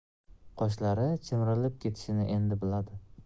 qoshlari chimirilib ketishini endi biladi